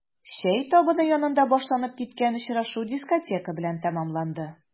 Чәй табыны янында башланып киткән очрашу дискотека белән тәмамланды.